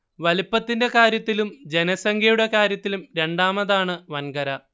വലിപ്പത്തിന്റെ കാര്യത്തിലും ജനസംഖ്യയുടെ കാര്യത്തിലും രണ്ടാമതാണ് വൻകര